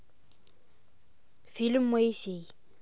фильм моисей